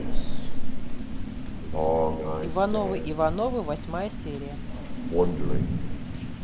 ивановы ивановы восьмая серия